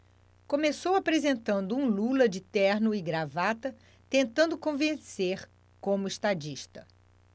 começou apresentando um lula de terno e gravata tentando convencer como estadista